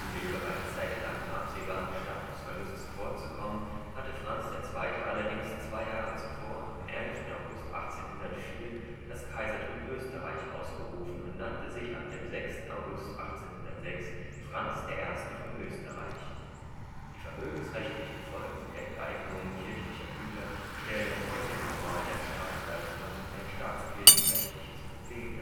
dem bereits seit langem absehbaren Statusverlust zuvorzukommen, hatte Franz II. allerdings zwei Jahre zuvor am 11. August 1804 das Kaisertum Österreich ausgerufen und nannte sich ab dem 6. August 1806 Franz I. von Österreich. Die vermögensrechtlichen Folgen der Enteignungen kirchlicher Güter stellen noch heute in Form der Staatsleistungen ein staatskirchenrechtliches Problem